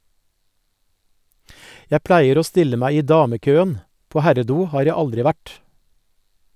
Jeg pleier å stille meg i damekøen, på herredo har jeg aldri vært.